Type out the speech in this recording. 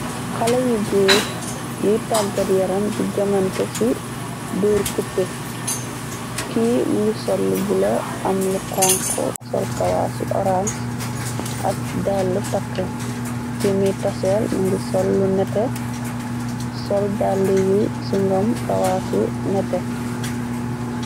Xale yu guur ñuy tàggat yaram di jomante. Ci duur cupe ki mu ngi soll bu la am lu xonko sol kawaasiu orang ak dàll takk kimi taseel mungi sollu nete sol dall yu singom kawaas u nete.